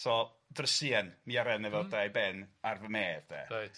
So drysien miaren efo dau ben ar fy medd de. Reit.